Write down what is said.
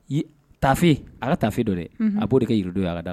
Taafe ala taafe dɔ dɛ a b'o de kɛ jurudo ye alada la